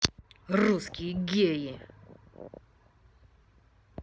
русские геи